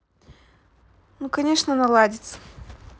ну конечно наладиться